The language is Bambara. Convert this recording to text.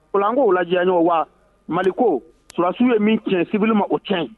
O la an ko lajɛya ɲɔgɔn ye . Wa Mali ko soldats ye min cɛn civil ma o cɛn.